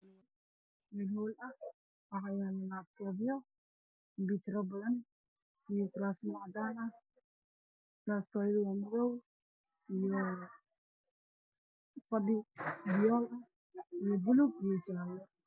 Waa xafiis waxaa yaalan computerro aada u farabadan oo midabkoodu yahay madow oo saaran miis kuraasna uu yaalaan